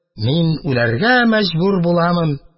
Мин үләргә мәҗбүр буламын.